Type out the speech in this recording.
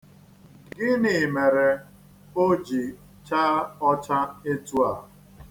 Gịnị mere o ji chaa ọcha etu a?